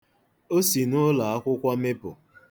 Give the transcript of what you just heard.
O si n'ụlọakwụkwọ mịpụ.